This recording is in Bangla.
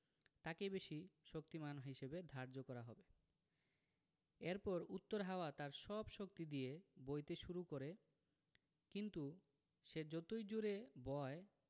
তাকেই বেশি শক্তিমান হিসেবে ধার্য করা হবে এরপর উত্তর হাওয়া তার সব শক্তি দিয়ে বইতে শুরু করে কিন্তু সে যতই জোড়ে বয়